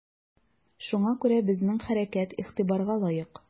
Шуңа күрә безнең хәрәкәт игътибарга лаек.